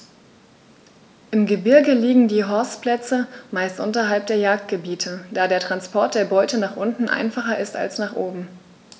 Im Gebirge liegen die Horstplätze meist unterhalb der Jagdgebiete, da der Transport der Beute nach unten einfacher ist als nach oben.